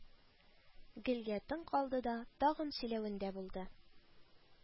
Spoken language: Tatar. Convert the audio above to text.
Гелгә тын калды да тагын сөйләвендә булды: